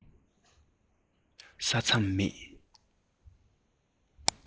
ས མཚམས མེད